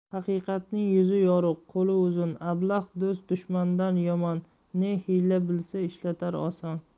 haqiqatning yuzi yorug' qo'li uzun ablah do'st dushmandan yomon ne hiyla bilsa ishlatar oson